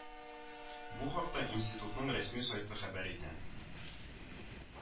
Бу хакта институтның рәсми сайты хәбәр итә